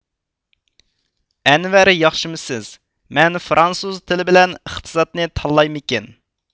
ئەنۋەر ياخشىمۇ سىز مەن فىرانسوز تىلى بىلەن ئىقتىسادنى تاللايمىكىن